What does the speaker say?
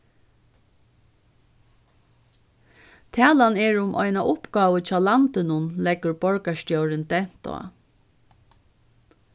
talan er um eina uppgávu hjá landinum leggur borgarstjórin dent á